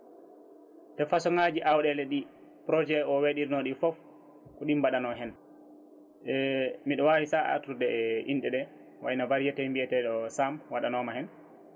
te façon ngaji awɗele ɗi projet o waɗirnoɗi foof ko ɗin mbaɗano hen mino wawi sa artude e inɗe ɗe wayno variété mbiyeteɗo Samp waɗanoma hen